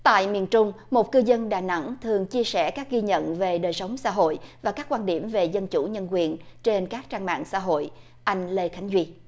tại miền trung một cư dân đà nẵng thường chia sẻ các ghi nhận về đời sống xã hội và các quan điểm về dân chủ nhân quyền trên các trang mạng xã hội anh lê khánh duy